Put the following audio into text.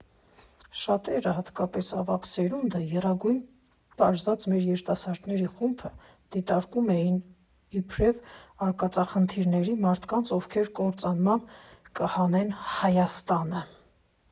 ֊Շատերը՝ հատկապես ավագ սերունդը, եռագույնը պարզած մեր երիտասարդների խումբը դիտարկում էին իբրև արկածախնդիրների, մարդկանց, ովքեր կործանման կտանեն Հայաստանը։